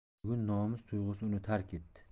bugun nomus tuyg'usi uni tark etdi